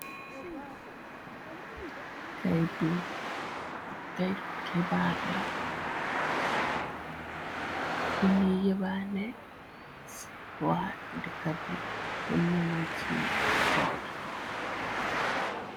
Tayrulke baarla, buñuy yebane ci wa di kabi, boññu mën ci jatu.